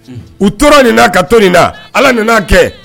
U tora nin na ka to nin na ala ni'a kɛ